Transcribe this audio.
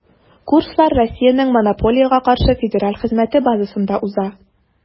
Курслар Россиянең Монополиягә каршы федераль хезмәте базасында уза.